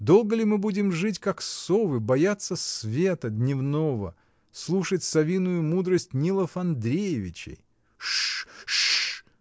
Долго ли мы будем жить, как совы, бояться света дневного, слушать совиную мудрость Нилов Андреевичей!. — Шш! ш-ш!